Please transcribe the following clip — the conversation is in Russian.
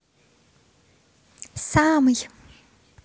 самый